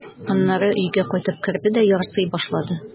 Аннары өйгә кайтып керде дә ярсый башлады.